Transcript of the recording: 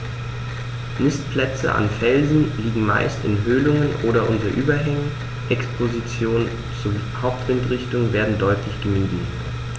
Nistplätze an Felsen liegen meist in Höhlungen oder unter Überhängen, Expositionen zur Hauptwindrichtung werden deutlich gemieden.